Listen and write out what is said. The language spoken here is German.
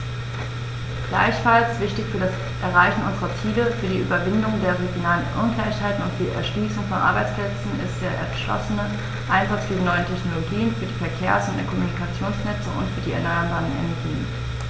Gleichfalls wichtig für das Erreichen unserer Ziele, für die Überwindung der regionalen Ungleichheiten und für die Erschließung von Arbeitsplätzen ist der entschlossene Einsatz für die neuen Technologien, für die Verkehrs- und Kommunikationsnetze und für die erneuerbaren Energien.